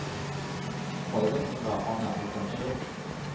— кайгы сиңа, ана, уртанчы